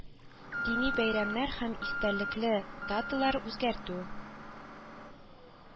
Дини бәйрәмнәр һәм истәлекле даталар үзгәртү